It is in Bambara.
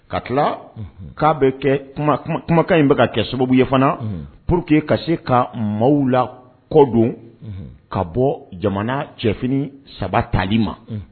Ka tila, unhun, k'a bɛ kumakan in bɛ ka kɛ sababu ye fana, unhun; pour que ka se ka maaw la kɔ don, unhun, ka bɔ jamana cɛfini 3 tali ma., unhun